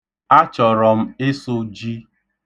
Achọrọ m ịsụ ji.